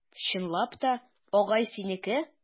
Чынлап та, агай, синеке?